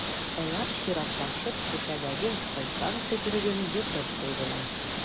Алар чиратлашып шешәдәге «шайтан төкереге»н йотып куйдылар.